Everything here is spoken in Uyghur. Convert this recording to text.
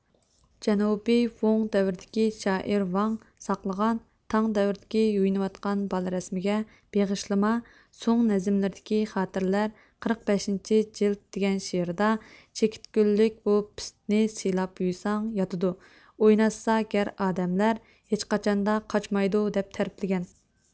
جەنۇبىي ۋوڭ دەۋرىدىكى شائىر ۋاڭ ساقلىغان تاڭ دەۋرىدىكى يۇيۇنۇۋاتقان بالا رەسىمىگە بېغىشلىما سوڭ نەزمىلىرىدىكى خاتىرىلەر قىرىق بەشىنچى جىلىد دېگەن شېئىرىدا چېكىت گۈللۈك بۇ پىستىنى سىلاپ يۇيساڭ ياتىدۇ ئويناتسا گەر ئادەملەر ھېچقاچاندا قاچمايدۇ دەپ تەرىپلىگەن